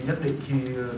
nhất định khi